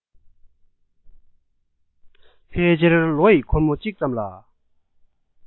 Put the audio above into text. ཕལ ཆེར ལོ ཡི འཁོར མོ གཅིག ཙམ ལ